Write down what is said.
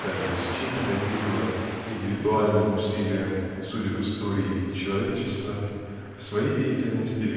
да и чьим бы то ни было индивидуальным усилием судеб истории и человечества в своей деятельности